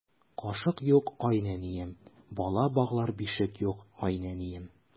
Кашык юк, ай нәнием, Бала баглар бишек юк, ай нәнием.